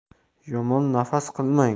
yomon nafas qilmang